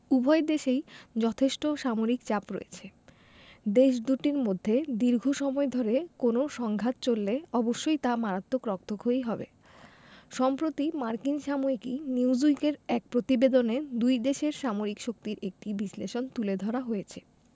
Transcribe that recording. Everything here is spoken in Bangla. উভয় দেশেই যথেষ্ট সামরিক চাপ রয়েছে দেশ দুটির মধ্যে দীর্ঘ সময় ধরে কোনো সংঘাত চললে অবশ্যই তা মারাত্মক রক্তক্ষয়ী হবে সম্প্রতি মার্কিন সাময়িকী নিউজউইকের এক প্রতিবেদনে দুই দেশের সামরিক শক্তির একটি বিশ্লেষণ তুলে ধরা হয়েছে